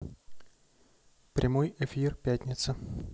прямой эфир пятница